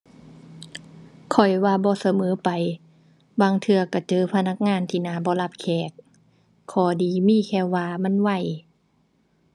ข้อยว่าบ่เสมอไป บางเทื่อก็เจอพนักงานที่หน้าบ่รับแขก ข้อดีมีแค่ว่ามันไว